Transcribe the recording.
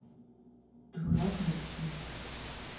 дурак вообще